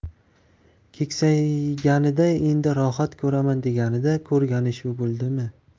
keksayganida endi rohat ko'raman deganida ko'rgani shu bo'ldimi